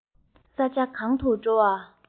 ས ཆ གང དུ འགྲོ བ